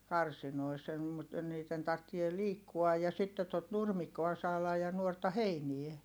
karsinoissa en mutta niiden tarvitsee liikkua ja sitten tuota nurmikkoa saada ja nuorta heinää